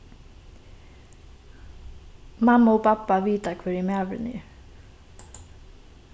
mamma og babba vita hvør ið maðurin er